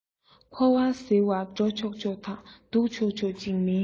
འཁོར བ ཟེར བ འགྲོ ཆོག ཆོག དང འདུག ཆོག ཆོག ཅིག མིན